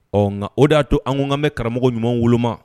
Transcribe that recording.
Ɔ nka o y'a to ankan mɛn karamɔgɔ ɲuman wolo